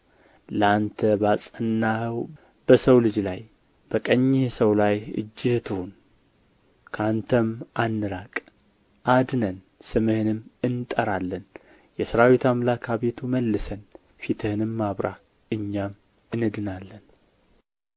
ለአንተ ባጸናኸው በሰው ልጅ ላይ በቀኝህ ሰው ላይ እጅህ ትሁን ከአንተም አንራቅ አድነን ስምህንም እንጠራለን የሠራዊት አምላክ አቤቱ መልሰን ፊትህንም አብራ እኛም እንድናለን